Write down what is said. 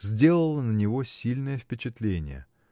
сделала на него сильное впечатление.